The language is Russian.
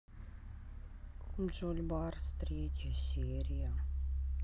джульбарс третья серия